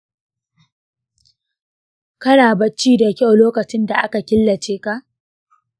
kana bacci da kyau lokacinda aka killace ka?